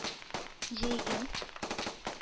Җәйге